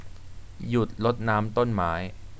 หยุดรดน้ำต้นไม้